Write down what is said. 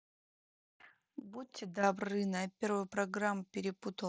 будьте добры на первую программу перепутала